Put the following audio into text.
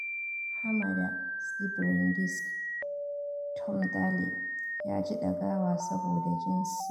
Hamada Tsibirin Discs: Tom Daley ya ji 'dagawa' saboda jinsi